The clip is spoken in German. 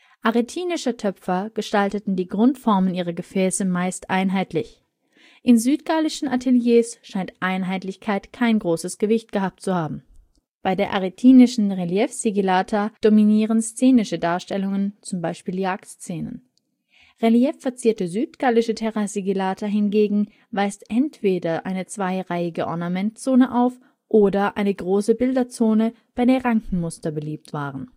Arretinische Töpfer gestalteten die Randformen ihrer Gefäße meist einheitlich. In südgallischen Ateliers scheint Einheitlichkeit kein großes Gewicht gehabt zu haben. Bei der arretinischen Reliefsigillata dominieren szenische Darstellungen (z.B. Jagdszenen). Reliefverzierte südgallische TS hingegen weist entweder eine zweireihige Ornamentzone auf oder eine große Bilderzone bei der Rankenmuster beliebt waren